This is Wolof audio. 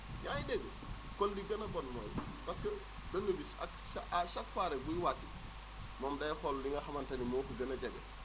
yaa ngi dégg kon li gën a bon mooy parce que dënnu bi ak cha à chaque fois rek bu ñuy wàcc moom day xool li nga xamante ni moom moo ko gën a jege